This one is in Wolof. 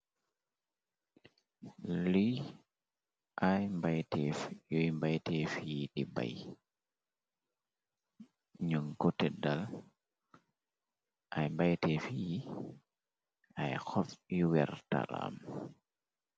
Li ay mbayteef yuy mbayteef yi di bay ñu gote dal. Ay mbayteef yi ay xof yu wer talaam.